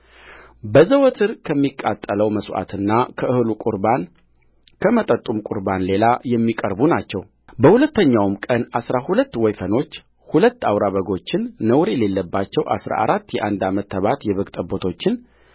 በዘወትር ከሚቃጠለው መሥዋዕትና ከእህሉ ቍርባን ከመጠጡም ቍርባን ሌላ የሚቀርቡ ናቸውበሁለተኛውም ቀን አሥራ ሁለት ወይፈኖችን ሁለት አውራ በጎችን ነውር የሌለባቸው አሥራ አራት የአንድ ዓመት ተባት የበግ ጠቦቶችን